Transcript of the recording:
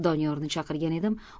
doniyorni chaqirgan edim